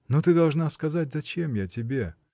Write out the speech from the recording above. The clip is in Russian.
Но ты должна сказать, зачем я тебе?